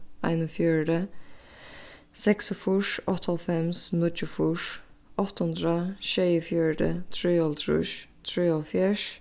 einogfjøruti seksogfýrs áttaoghálvfems níggjuogfýrs átta hundrað sjeyogfjøruti trýoghálvtrýss trýoghálvfjerðs